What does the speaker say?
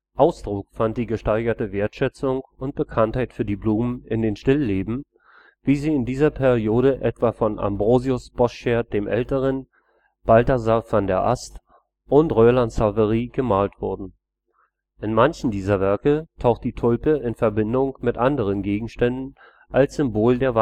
Ausdruck fand die gesteigerte Wertschätzung und Bekanntheit für Blumen in den Stillleben, wie sie in dieser Periode etwa von Ambrosius Bosschaert d.Ä., Balthasar van der Ast und Roelant Savery gemalt wurden. In manchen dieser Werke taucht die Tulpe in Verbindung mit anderen Gegenständen als Symbol der